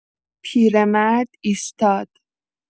پیرمرد ایستاد.